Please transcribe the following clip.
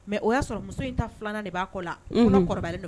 Mais o y'a sɔrɔ muso in ta filanan de b'a kɔ kɔ la. Unhun. A ka kɔrɔbalen